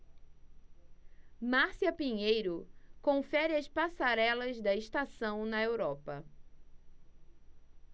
márcia pinheiro confere as passarelas da estação na europa